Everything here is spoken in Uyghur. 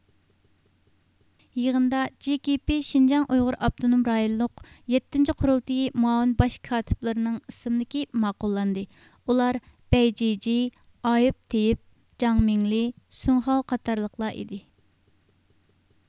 يىغىندا جې كې پې شىنجاڭ ئۇيغۇر ئاپتونوم رايونلۇق يەتتىنچى قۇرۇلتىيى مۇئاۋىن باش كاتىپلىرىنىڭ ئىسىملىكى ماقۇللاندى ئۇلار بەيجىجيې ئايۇپ تېيىپ جاڭمىڭلى سۇڭخاۋ قاتارلىقلار ئىدى